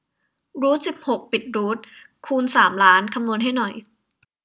รูทสิบหกปิดรูทคูณสามล้านคำนวณให้หน่อย